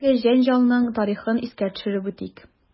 Әлеге җәнҗалның тарихын искә төшереп үтик.